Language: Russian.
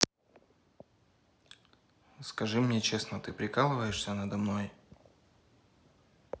скажи мне честно ты прикалываешься надо мной